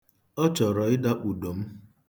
Ọ chọrọ ịdakpudo m.